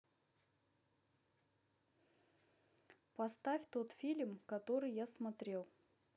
поставь тот фильм который я смотрел